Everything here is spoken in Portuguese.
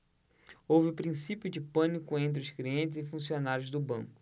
houve princípio de pânico entre os clientes e funcionários do banco